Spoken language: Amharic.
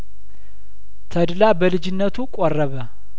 ተድላ በልጅነቱ ቆረበ